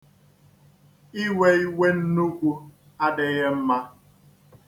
Iwe iwe nnukwu adịghị mma.